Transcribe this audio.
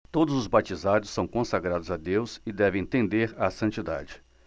todos os batizados são consagrados a deus e devem tender à santidade